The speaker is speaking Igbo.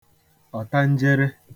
ọ̀tanjere